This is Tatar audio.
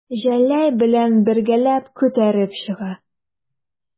Җәләй белән бергәләп күтәреп чыга.